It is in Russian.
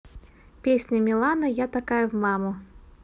песня милана я такая в маму